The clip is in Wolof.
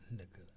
dëgg la